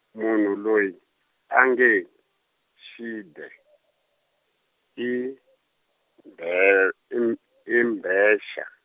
munhu loyi, a nge Xede , i mbhe- i m- i mbvexa.